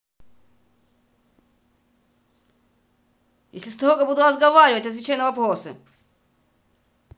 если строго буду разговаривать отвечай на вопросы